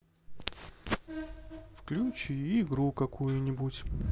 включи игру какую нибудь